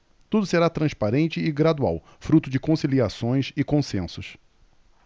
tudo será transparente e gradual fruto de conciliações e consensos